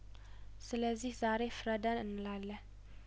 ስለዚህ ዛሬ ፍረደን እንላለን